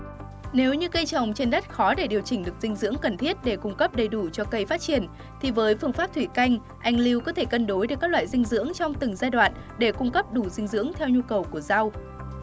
nếu như cây trồng trên đất khó để điều chỉnh được dinh dưỡng cần thiết để cung cấp đầy đủ cho cây phát triển thì với phương pháp thủy canh anh lưu có thể cân đối được các loại dinh dưỡng trong từng giai đoạn để cung cấp đủ dinh dưỡng theo nhu cầu của rau